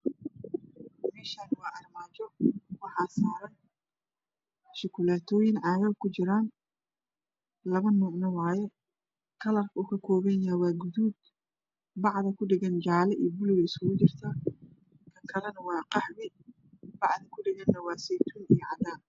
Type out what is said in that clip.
Meeshan waa armaajo waxaa saran shukulaatoyin cagaag kujiraan laba noocna waaye kalarka uu ka koobanyahay waa guduud bacda ku dhagan jaale iyo buluug eey iskugujirtaa kan kalana waa qaxwi bacda kudhagana waa saytuun iyo cadaan